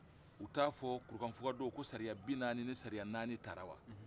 u t'a fɔ ko kurukanfuga don ko sariya binaani ni sariya naani tara wa